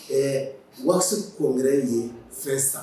Ɛɛ ye fɛn san